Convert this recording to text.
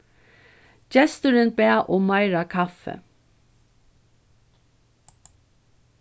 gesturin bað um meira kaffi